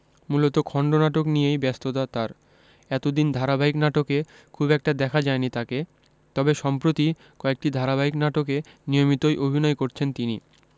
মূলত খণ্ডনাটক নিয়েই ব্যস্ততা তার এতদিন ধারাবাহিক নাটকে খুব একটা দেখা যায়নি তাকে তবে সম্প্রতি কয়েকটি ধারাবাহিক নাটকে নিয়মিতই অভিনয় করছেন তিনি